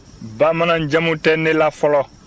bamananjamu tɛ ne la fɔlɔ